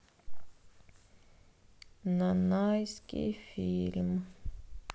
нанайский фильм